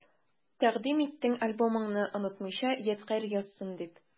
Тәкъдим иттең альбомыңны, онытмыйча ядкарь язсын дип.